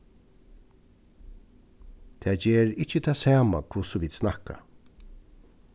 tað ger ikki tað sama hvussu vit snakka